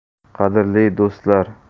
qadrli do'stlar